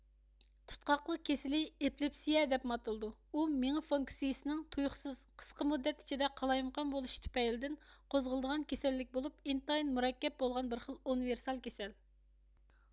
تۇتقاقلىق كېسىلى ئېپلېپسىيە دەپمۇ ئاتىلىدۇ ئۇ مېڭە فۇنكسىيىسىنىڭ تۇيۇقسىز قىسقا مۇددەت ئىچىدە قالايمىقان بولۇشى تۈپەيلىدىن قوزغىلىدىغان كېسەللىك بولۇپ ئىنتايىن مۇرەككەپ بولغان بىرخىل ئۇنىۋېرسال كېسەل